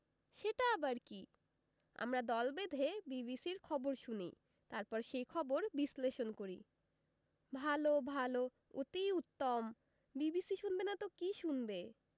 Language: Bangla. সেটা আবার কি আমরা দল বেঁধে বিবিসির খবর শুনি তারপর সেই খবর বিশ্লেষণ করি ভাল ভাল অতি উত্তম বিবিসি শুনবেনা তো কি শুনবে